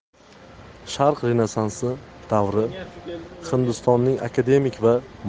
sharq renessansi davri hindistonning akademik va